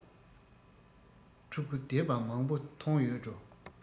ཕྲུ གུ བསྡད པ མང པོ མཐོང ཡོད འགྲོ